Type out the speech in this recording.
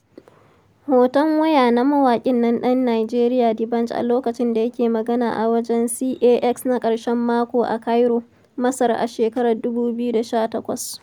Hoton waya na mawaƙin nan ɗan Nijeriya D'banj a lokacin da yake magana a wajen CAX na ƙarshen mako a Cairo, Masar a shekarar 2018.